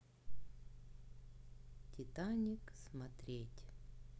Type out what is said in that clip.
титаник смотреть